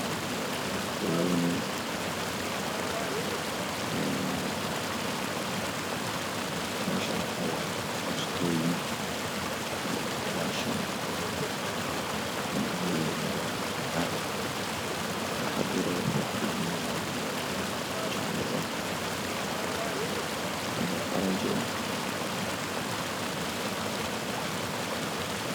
Labo nin meshan waxa yalo fustoyin ilaa shan darbiyada wa cadn warqad wuxu ku dhijinoya o cadan ah warqad yaro jalo ah oronji ah